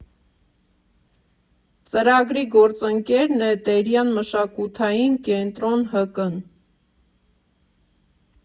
Ծրագրի գործընկերն է Տերյան մշակութային կենտրոն ՀԿ֊ն։